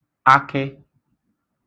akị